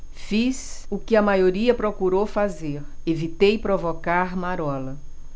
fiz o que a maioria procurou fazer evitei provocar marola